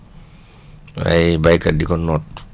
waaye béykat di ko noot